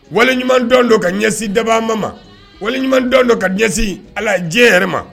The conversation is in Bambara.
Waleɲuman dɔn don ka se ɲɛsin dabama man . Waleɲuman dɔn don ka ɲɛsin Ala diɲɛ yɛrɛ ma.